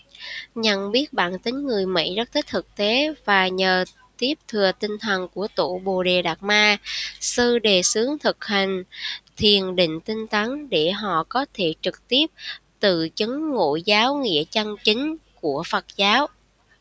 nhận biết bản tính người mỹ rất thích thực tế và nhờ tiếp thừa tinh thần của tổ bồ đề đạt ma sư đề xướng thực hành thiền định tinh tấn để họ có thể trực tiếp tự chứng ngộ giáo nghĩa chân chính của phật giáo